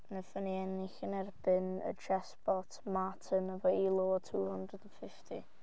Wnaethon ni ennill yn erbyn y chessbot Martin efo elo o two hundred and fifty.